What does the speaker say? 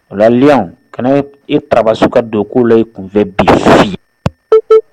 les lions kana i tarabaso ka don ko la ikun fɛ bi!